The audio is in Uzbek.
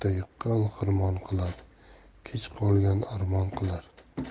qilar kech qolgan armon qilar